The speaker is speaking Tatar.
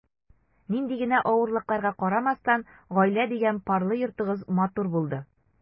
Нинди генә авырлыкларга карамастан, “гаилә” дигән парлы йортыгыз матур булды.